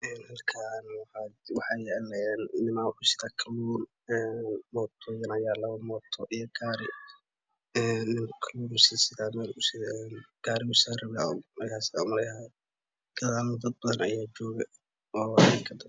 Meshan waxaa yala een ka luun gari ayaa yala laba moto masari rabo umalayna gadal dad badan ayaa jooga